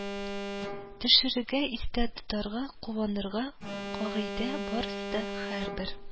Төшерергə, истə тотарга, кулланырга, кагыйдə, барысы да, һəрбер,